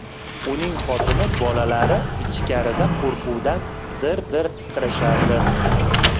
uning xotini bolalari ichkarida qo'rquvdan dir dir titrashardi